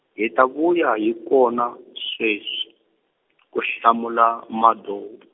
hi ta vuya hi kona sweswi , ku hlamula Madou .